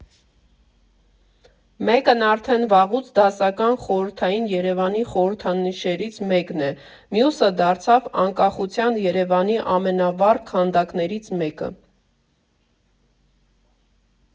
Մեկն արդեն վաղուց դասական, խորհրդային Երևանի խորհրդանիշներից մեկն է, մյուսը դարձավ անկախության Երևանի ամենավառ քանդակներից մեկը։